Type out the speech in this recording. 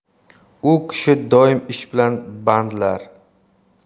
u kishi doim ish bilan bandlar